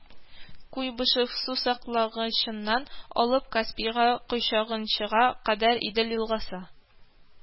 Куйбышев сусаклагычыннан алып Каспийга койганчыга кадәр Идел елгасы